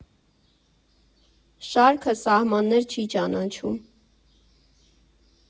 Շարքը սահմաններ չի ճանաչում։